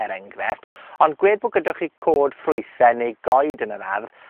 er enghrefft, ond gwed bod gydwch chi co'd ffrwythe neu goed yn yr ardd,